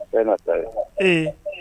Bɛɛ na caya h ee